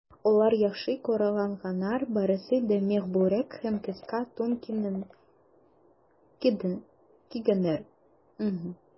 Алар яхшы коралланганнар, барысы да мех бүрек һәм кыска тун кигәннәр.